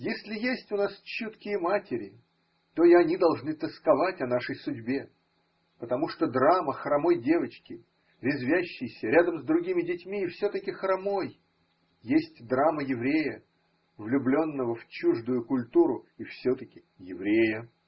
Если есть у нас чуткие матери, то и они должны тосковать о нашей судьбе, потому что драма хромой девочки, резвящейся рядом с другими детьми и все-таки хромой, есть драма еврея, влюбленного в чуждую культуру и все-таки еврея.